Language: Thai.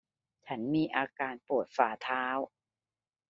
ฉันมีอาการปวดฝ่าเท้า